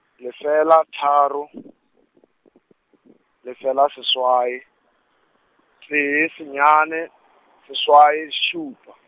lefela tharo , lefela seswai, tee senyane, seswai šupa.